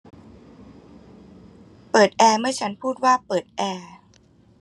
เปิดแอร์เมื่อฉันพูดว่าเปิดแอร์